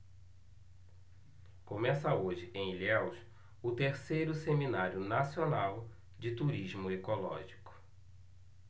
começa hoje em ilhéus o terceiro seminário nacional de turismo ecológico